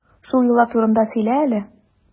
Шул йола турында сөйлә әле.